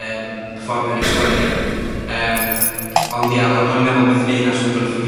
yym, perfformio neu sgwennu, yym, ond ia, o- o'n i'n amlwg methu neu' hynna so i'n gor'o' ffindio